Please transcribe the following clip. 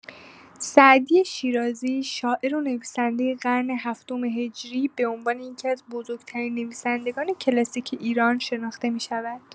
سعدی شیرازی، شاعر و نویسنده قرن هفتم هجری، به عنوان یکی‌از بزرگ‌ترین نویسندگان کلاسیک ایران شناخته می‌شود.